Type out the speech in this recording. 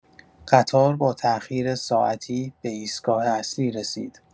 قطار با تاخیر ساعتی به ایستگاه اصلی رسید.